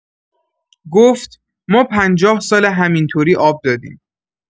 گفت: «ما پنجاه‌ساله همین‌طوری آب دادیم.»